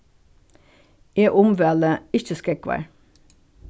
eg umvæli ikki skógvar